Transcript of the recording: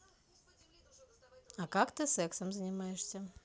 а как ты сексом занимаешься